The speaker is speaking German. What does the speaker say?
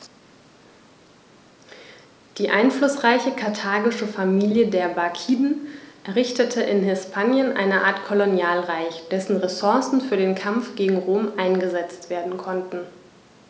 Die einflussreiche karthagische Familie der Barkiden errichtete in Hispanien eine Art Kolonialreich, dessen Ressourcen für den Kampf gegen Rom eingesetzt werden konnten.